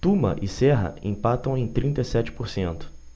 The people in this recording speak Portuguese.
tuma e serra empatam em trinta e sete por cento